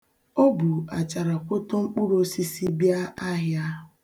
O bu acharakwoto mkpụrụosisi bịa ahịa.